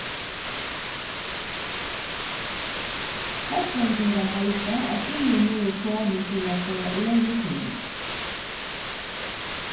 hetlendingar halda at tíðin nú er komin til at fáa egið ting